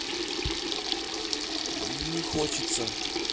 не хочется